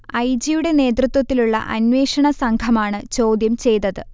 I. G. യുടെ നേതൃത്വത്തിലുള്ള അന്വേഷണ സംഘമാണ് ചോദ്യം ചെയ്തത്